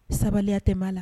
Sabulaya tɛ b'a la